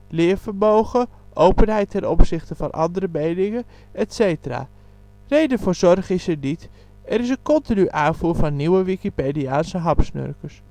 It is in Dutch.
leervermogen, openheid ten opzichte van andere meningen etc. Reden voor zorg is er niet, er is een continue aanvoer van nieuwe Wikipediaanse hapsnurkers